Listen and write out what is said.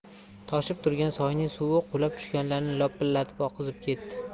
toshib turgan soyning suvi qulab tushganlarni lopillatib oqizib ketdi